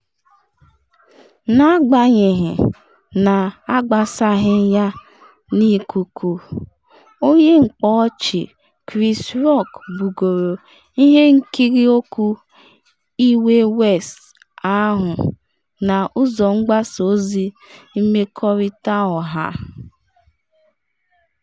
N’agbanyeghị na agbasaghị ya n’ikuku, onye mkpa ọchị Chris Rock bugoro ihe nkiri okwu iwe West ahụ na ụzọ mgbasa ozi mmekọrịta ọha.